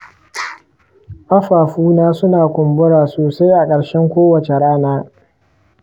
ƙafafuna suna kumbura sosai a ƙarshen kowacce rana.